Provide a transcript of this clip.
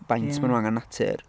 faint ma' nhw angen natur.